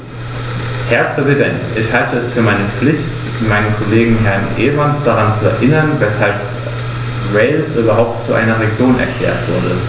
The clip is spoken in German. Herr Präsident, ich halte es für meine Pflicht, meinen Kollegen Herrn Evans daran zu erinnern, weshalb Wales überhaupt zu einer Region erklärt wurde.